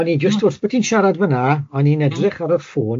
O'n i jyst wrth bod ti'n siarad fan'na o'n i'n edrych ar y ffôn.